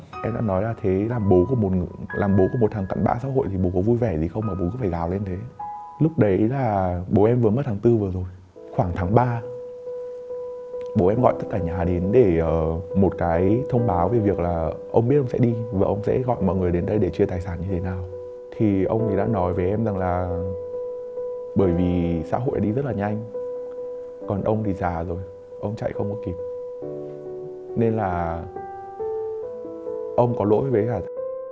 em đã nói là thế là bố của một là bố của một thằng cặn bã xã hội thì bố vui vẻ gì không mà bố cứ phải gào lên thế lúc đấy là bố em vừa mất tháng tư vừa rồi khoảng tháng ba bố em gọi tất cả nhà đến để ờ một cái thông báo về việc là ông biết ông sẽ đi và ông sẽ gọi mọi người đến đây để chia tài sản như thế nào thì ông ý đã nói với em rằng là bởi vì xã hội đi rất là nhanh còn ông thì già rồi ông chạy không có kịp nên là ông có lỗi với hạt